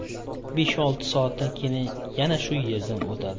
besh olti soatdan keyin yana shu yerdan o'tadi